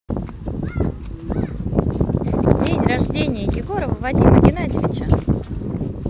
день рождения егорова вадима геннадьевича